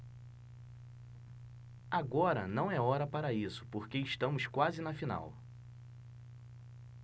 agora não é hora para isso porque estamos quase na final